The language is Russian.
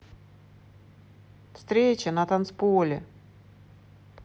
встречи на танцполе